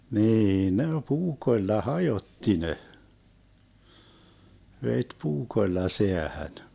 niin ne puukoilla hajotti ne veti puukoilla säähän